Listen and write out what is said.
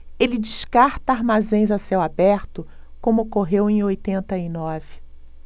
ele descarta armazéns a céu aberto como ocorreu em oitenta e nove